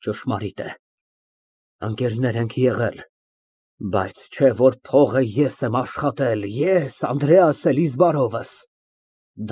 Ճշմարիտ է, ընկերներ ենք եղել, բայց չէ որ փողն ես եմ աշխատել, ես, Անդրեաս Էլիզբարովս։